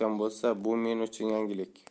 bo'lsa bu men uchun yangilik